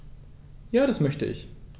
Ja, das möchte ich.